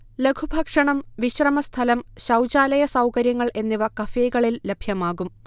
ലഘുഭക്ഷണം, വിശ്രമസ്ഥലം, ശൗചാലയ സൗകര്യങ്ങൾ എന്നിവ കഫേകളിൽ ലഭ്യമാകും